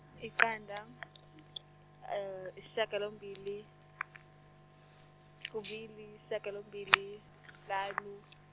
iqanda, ishagalombili, kubili, shagalombili, kuhlanu.